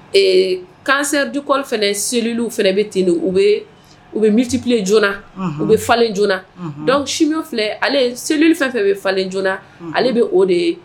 Ee kansɛ dukɔ fana selielililu fana bɛ ten u u bɛ misitibilenle joona u bɛ falenle joona dɔnku si filɛ ale selili fɛn fɛ bɛ falenle joona ale bɛ o de ye